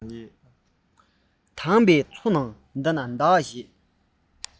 དྭངས པའི མཚོ ནང འདི ན ཟླ བ ཞེས